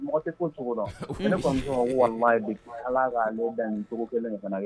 Mɔgɔ tɛ ko cogo ala cogo kelen